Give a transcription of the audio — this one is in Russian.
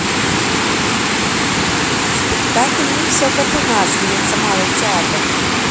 спектакль не все коту масленица малый театр